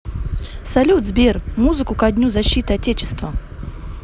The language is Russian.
салют сбер музыку ко дню защитника отечества